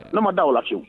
Ne ma da o lafinwu